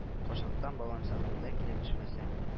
Кашлыктан бабам сәгъдуллә килеп төшмәсә